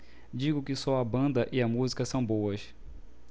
digo só que a banda e a música são boas